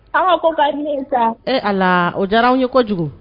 Ala ko ka sa ee a o diyara ye kojugu